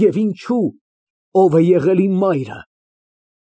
Եվ ինչո՞ւ, ո՞վ է եղել իմ մայրը։